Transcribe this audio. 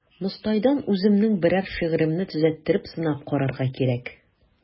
Мостайдан үземнең берәр шигыремне төзәттереп сынап карарга кирәк.